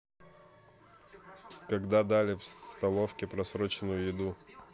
когда дали в столовке просроченную еду